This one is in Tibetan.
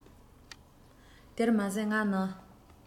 དེར མ ཟད ང ནི